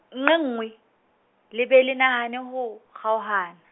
nnqe nngwe, le be le nahane, ho kgaohana.